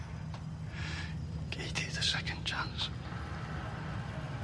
Gei di dy second chance.